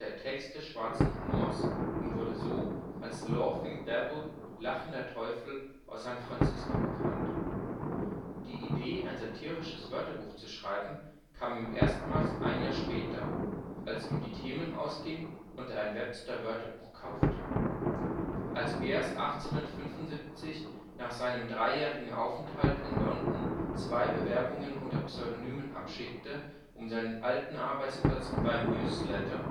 Texte schwarzen Humors und wurde so als laughing devil (lachender Teufel) aus San Francisco bekannt. Die Idee ein satirisches Wörterbuch zu schreiben kam ihm erstmals ein Jahr später, als ihm die Themen ausgingen und er ein Webster Wörterbuch kaufte. Als Bierce 1875 nach seinem dreijährigen Aufenthalt in London zwei Bewerbungen unter Pseudonymen abschickte, um seinen alten Arbeitsplatz beim News Letter